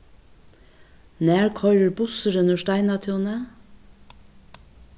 nær koyrir bussurin úr steinatúni